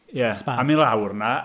Ie, am i lawr 'na...